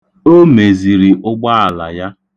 O meziri ụgbaala ya.